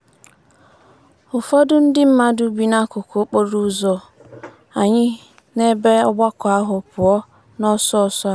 Ụfọdụ ndị mmadụ bi n'akụkụ okporo ụzọ, anyị n'ebe ọgbakọ ahụ pụọ na nsoso a.